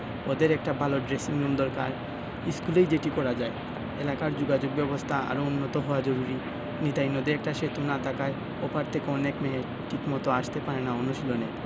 ওদের একটা ভালো ড্রেসিংরুম দরকার স্কুলেই যেটি করা যায় এলাকার যোগাযোগব্যবস্থা আরও উন্নত হওয়া জরুরি নিতাই নদে একটা সেতু না থাকায় ও পার থেকে অনেক মেয়ে ঠিকমতো আসতে পারে না অনুশীলনে